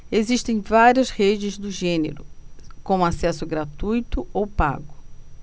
existem várias redes do gênero com acesso gratuito ou pago